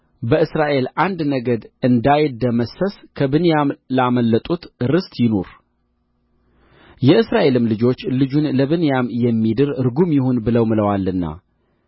በእስራኤል አንድ ነገድ እንዳይደመሰስ ከብንያም ላመለጡት ርስት ይኑር የእስራኤልም ልጆች ልጁን ለብንያም የሚድር ርጉም ይሁን ብለው ምለዋልና